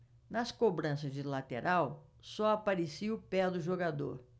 nas cobranças de lateral só aparecia o pé do jogador